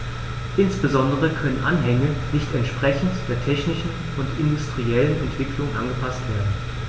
Insbesondere können Anhänge nicht entsprechend der technischen und industriellen Entwicklung angepaßt werden.